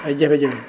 ay jafe-jafe